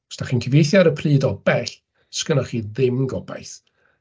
Os dach chi'n cyfeithu ar y pryd o bell, sgynnoch chi ddim gobaith.